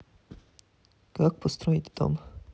как построить дом